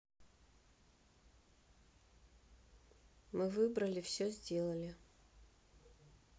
мы выбрали все сделали